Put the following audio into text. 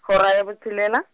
hora ya bo tshelela.